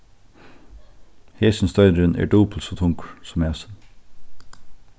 hesin steinurin er dupult so tungur sum hasin